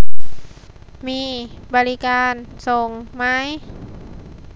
มีบริการส่งไหม